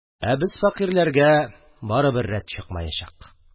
Ә без фәкыйрьләргә барыбер рәт чыкмаячак.